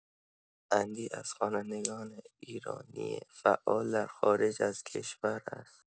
اندی از خوانندگان ایرانی فعال در خارج از کشور است.